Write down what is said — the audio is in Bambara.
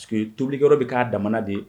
tobilkɛiyɔrɔ bɛ k'a danma de